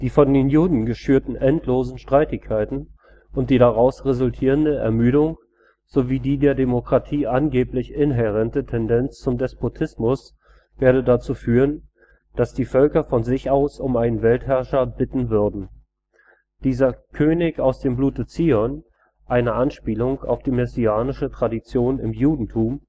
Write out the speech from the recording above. von den Juden geschürten endlosen Streitigkeiten und die daraus resultierende Ermüdung sowie die der Demokratie angeblich inhärente Tendenz zum Despotismus werde dazu führen, dass die Völker von sich aus um einen Weltherrscher bitten würden. Dieser „ König aus dem Blute Zion “– eine Anspielung auf die messianische Tradition im Judentum